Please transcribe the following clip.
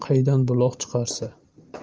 qaydan buloq chiqarsa